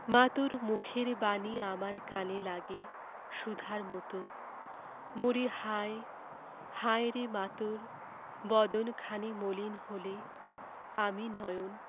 মা তোর মুখের বাণী আমার কানে লাগে সুধার মতো মরিহায় হায়রে মা তোর বদন খানি মলিন হলে আমি নয়ন